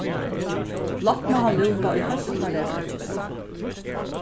lágt má hann lúta ið høsnareyv skal kyssa